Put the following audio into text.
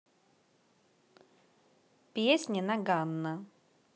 песни ноггано